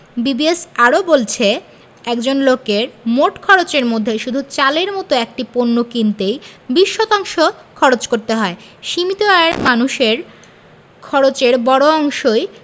BBS আরও বলছে একজন লোকের মোট খরচের মধ্যে শুধু চালের মতো একটি পণ্য কিনতেই ২০ শতাংশ খরচ করতে হয় সীমিত আয়ের মানুষের খরচের বড় অংশই